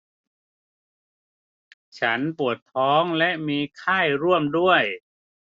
ฉันปวดท้องและมีไข้ร่วมด้วย